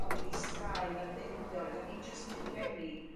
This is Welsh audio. o be' 'di straen a'r deuluoedd a dim jyst y rhieni